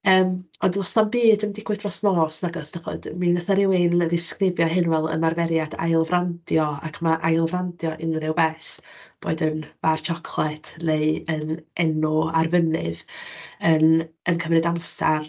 Yym, ond does na'm byd yn digwydd dros nos nag oes, dach chimod. Mi wnaeth 'na rywun ddisgrifio hyn fel ymarferiad ailfrandio, ac ma' ailfrandio unrhyw beth - boed yn far siocled, neu yn enw ar fynydd, yn yn cymryd amser.